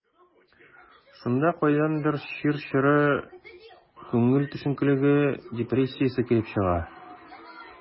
Шунда кайдандыр чир чоры, күңел төшенкелеге, депрессиясе килеп чыга.